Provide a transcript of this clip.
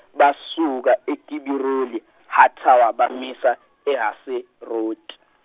basuka eKibiroli Hathawa bamisa eHaseroti.